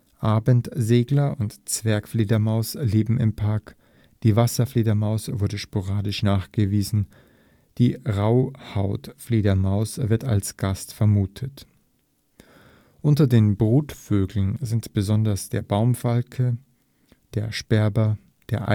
Abendsegler und Zwerg-Fledermaus leben im Park, die Wasserfledermaus wurde sporadisch nachgewiesen, die Rauhautfledermaus wird als Gast vermutet. Unter den Brutvögeln sind besonders der Baumfalke (Rote Liste: stark gefährdet), der Sperber, der Eisvogel